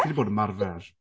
Ti 'di bod yn ymarfer.